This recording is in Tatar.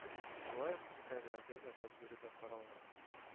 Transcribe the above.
Шулай ук өстәлләргә заказ бирү дә каралган